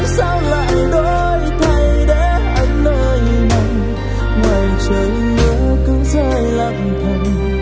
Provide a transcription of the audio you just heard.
sao lại đổi thay để anh nơi này ngoài trơi mưa cứ rơi lặng thầm